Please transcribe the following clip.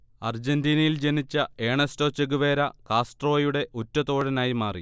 അർജന്റീനയിൽ ജനിച്ച Ernesto Che Guevara, കാസ്ട്രോയുടെ ഉറ്റതോഴനായി മാറി